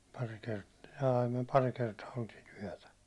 pari - jaa ei me pari kertaa oltiin yötä